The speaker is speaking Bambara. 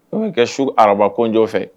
An bɛ kɛ su arabakojɔ fɛ